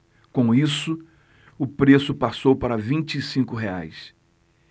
com isso o preço passou para vinte e cinco reais